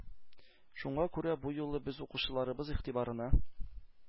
Шуңа күрә бу юлы без укучыларыбыз игътибарына